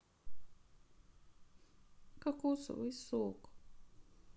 кокосовый сок